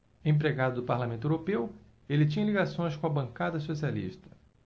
empregado do parlamento europeu ele tinha ligações com a bancada socialista